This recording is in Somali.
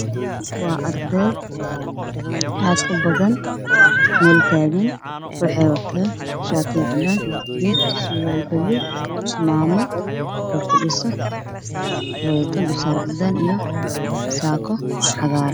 Waa arday wataan shaati cadaan ah